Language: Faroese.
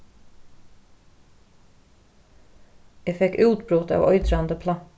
eg fekk útbrot av eitrandi plantu